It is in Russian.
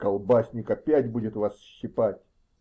-- Колбасник опять будет вас щипать.